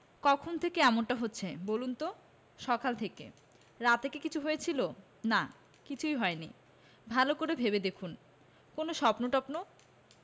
কখন থেকে এমনটা হচ্ছে বলুন তো সকাল থেকে রাতে কি কিছু হয়েছিল না কিছুই হয়নি ভালো করে ভেবে দেখুন কোনো স্বপ্ন টপ্ন